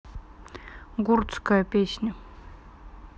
гурцкая песня